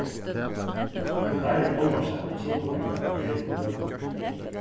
fleiri álvarsamir trupulleikar eru í løtuni